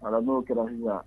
Ala n'o kɛra